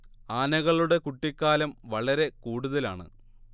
ആനകളുടെ കുട്ടിക്കാലം വളരെ കൂടുതലാണ്